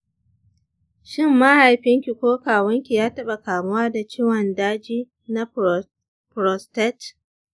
shin mahaifinki ko kawunki ya taɓa kamuwa da ciwon daji na prostate?